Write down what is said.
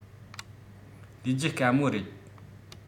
ལས རྒྱུ དཀའ མོ རེད